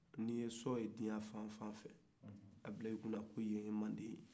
n' i ye sɔ ye duniya fan o fan fɛ a bila i kunna ko yen ye manden ye